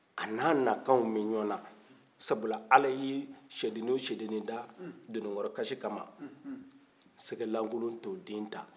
a ni a nakanw bɛ ɲɔgɔn na sabula ''ala ye sisɛdenin o sisɛdennin da dununkɔrɔkasi kama sɛgɛ lankolon t'o den ta''